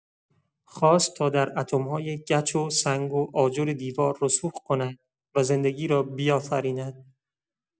خواست تا در اتم‌های گچ و سنگ و آجر دیوار رسوخ کند و زندگی را بیافریند.